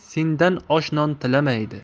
sendan osh non tilamaydi